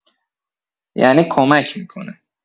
یعنی کمک می‌کنه.